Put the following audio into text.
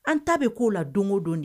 An ta bɛ k'o la don odon de